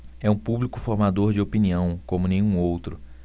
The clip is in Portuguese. é um público formador de opinião como nenhum outro